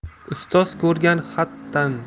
ustoz ko'rgan xat tank